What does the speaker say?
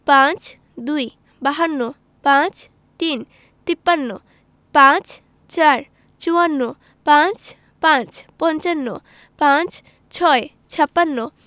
৫২ বাহান্ন ৫৩ তিপ্পান্ন ৫৪ চুয়ান্ন ৫৫ পঞ্চান্ন ৫৬ ছাপ্পান্ন